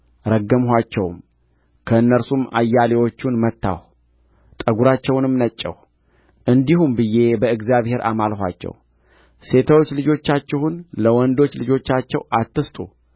ረገምኋቸውም ከእነርሱም አያሌዎቹን መታሁ ጠጉራቸውንም ነጨሁ እንዲህም ብዬ በእግዚአብሔር አማልኋቸው ሴቶች ልጆቻችሁን ለወንዶች ልጆቻቸው አትስጡ